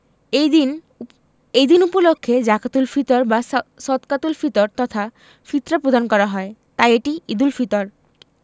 এই দিন এই দিন উপলক্ষে জাকাতুল ফিতর বা ছ সদকাতুল ফিতর তথা ফিতরা প্রদান করা হয় তাই এটি ঈদুল ফিতর